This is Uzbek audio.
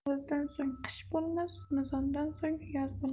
navro'zdan so'ng qish bo'lmas mizondan so'ng yoz bo'lmas